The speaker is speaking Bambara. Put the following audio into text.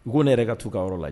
U ko ne yɛrɛ ka t'u ka yɔrɔ lajɛ